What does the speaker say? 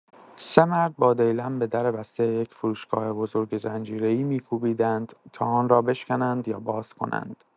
سه مرد با دیلم به در بسته یک فروشگاه بزرگ زنجیره‌ای می‌کوبیدند تا آن را بشکنند یا باز کنند.